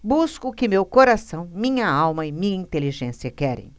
busco o que meu coração minha alma e minha inteligência querem